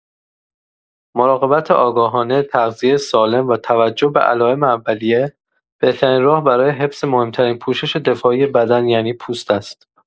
مراقبت آگاهانه، تغذیه سالم و توجه به علائم اولیه، بهترین راه برای حفظ مهم‌ترین پوشش دفاعی بدن یعنی پوست است.